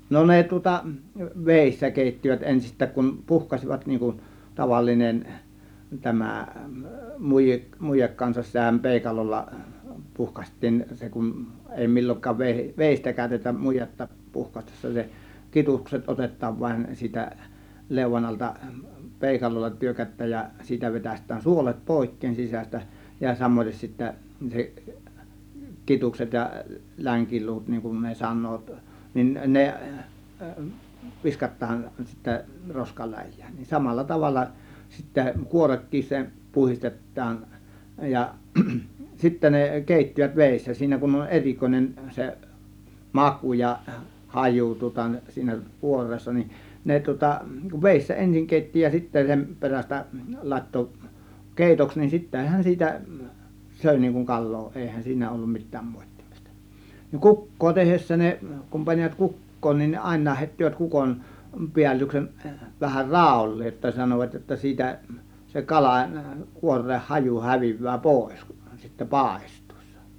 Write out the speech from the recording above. no ne tuota vedessä keittivät ensistään kun puhkaisivat niin kuin tavallinen tämä - muje kanssa sitähän peukalolla puhkaistiin se kun ei milloinkaan - veistä käytetä mujetta puhkaistessa se kidukset otetaan vain siitä leuan alta peukalolla tyrkätään ja siitä vetäistään suolet poikki sisästä ja samaten sitten se kidukset ja länkiluut niin kuin ne sanovat niin ne viskataan sitten roskaläjään niin samalla tavalla sitten kuorekin se puhdistetaan ja sitten ne keittivät vedessä siinä kun on erikoinen se maku ja haju tuota siinä kuoreessa niin ne tuota vedessä ensin keitti ja sitten sen perästä laittoi keitoksi niin sittenhän siitä söi niin kuin kalaa eihän siinä ollut mitään moittimista niin kukkoa tehdessä ne kun panivat kukkoon niin aina heittivät kukon päällyksen vähän raolleen jotta sanoivat jotta siitä se kala kuoreen haju häviää pois kun sitten paistuessa